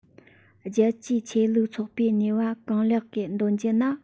རྒྱལ གཅེས ཆོས ལུགས ཚོགས པའི ནུས པ གང ལེགས སྒོས འདོན རྒྱུ ནི